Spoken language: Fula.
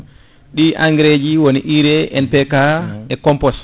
ɗi engrais ji woni urée MPK et composte